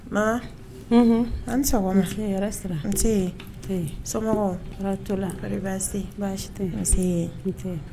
Ma unhun ani sɔgɔma nsee hɛrɛ sira nsee sɔmɔgɔw tɔrɔ t'u la kodi baasi te ye baasi te ye nseee nse